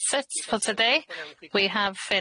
That's it for today we have finished